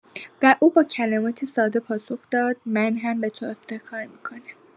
و او با کلماتی ساده پاسخ داد: من هم به تو افتخار می‌کنم.